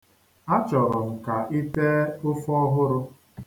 Achọrọ m ka i tee ofe ọhụrụ.